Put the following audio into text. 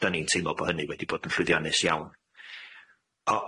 'dan ni'n teimlo bo hynny 'di bod yn llwyddiannus iawn.